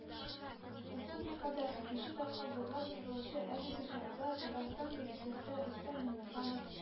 Республикада икенче тапкыр зурлап уздырылучы әлеге чарада Татарстан Президенты Рөстәм Миңнеханов